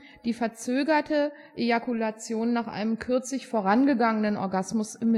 die verzögerte Ejakulation nach einem kürzlich vorangegangenen Orgasmus im